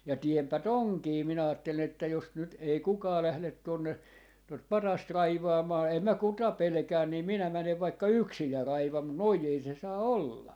ja teenpä tuonkin minä ajattelin että jos nyt ei kukaan lähde tuonne tuota patsasta raivaamaan en minä ketä pelkää niin minä menen vaikka yksin ja raivaan mutta noin ei se saa olla